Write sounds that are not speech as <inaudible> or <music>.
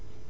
<hesitation> <hesitation>